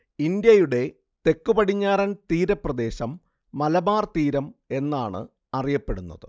ഇന്ത്യയുടെ തെക്കുപടിഞ്ഞാറൻ തീരപ്രദേശം മലബാർ തീരം എന്നാണ് അറിയപ്പെടുന്നത്